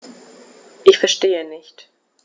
Ich verstehe nicht.